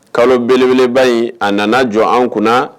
Kalo beleba in a nana jɔ an kunna